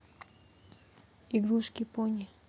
игрушки пони